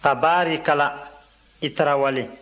tabaarikala i tarawele